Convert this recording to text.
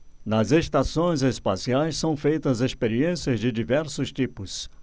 nas estações espaciais são feitas experiências de diversos tipos